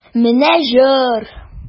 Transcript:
Менә җор!